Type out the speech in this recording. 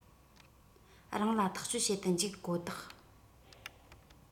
རང ལ ཐག གཅོད བྱེད དུ འཇུག ཀོ ཐག